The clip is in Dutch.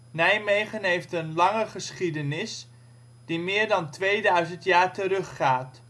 Nijmegen heeft een lange geschiedenis, die meer dan 2000 jaar teruggaat